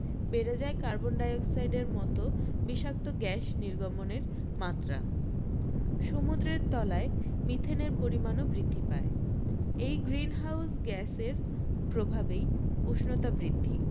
বেড়ে যায় কার্বন ডাই অক্সাইডের মতো বিষাক্ত গ্যাস নির্গমনের মাত্রা সমুদ্রের তলায় মিথেনের পরিমাণও বৃদ্ধি পায় এই গ্রিন হাউস গ্যাসের প্রভাবেই উষ্ণতা বৃদ্ধি